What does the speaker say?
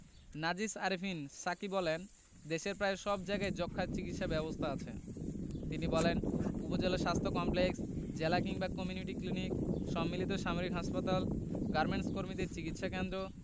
নাজিস আরেফিন সাকী বলেন দেশের প্রায় সব জায়গায় যক্ষ্মার চিকিৎসা ব্যবস্থা আছে তিনি বলেন উপজেলা স্বাস্থ্য কমপ্লেক্স জেলা কিংবা কমিউনিটি ক্লিনিক সম্মিলিত সামরিক হাসপাতাল গার্মেন্টকর্মীদের চিকিৎসাকেন্দ্র